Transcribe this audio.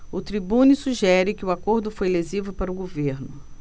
o tribune sugere que o acordo foi lesivo para o governo